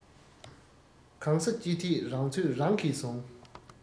གང ས ཅི ཐད རང ཚོད རང གིས ཟུང